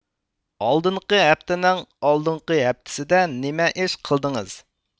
ئالدىنقى ھەپتىنىڭ ئالدىنقى ھەپتىسىدە نېمە ئىش قىلدىڭىز